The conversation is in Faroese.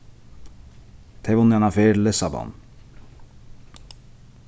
tey vunnu eina ferð til lissabon